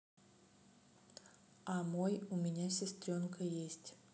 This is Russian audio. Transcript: а мой у меня сестренка есть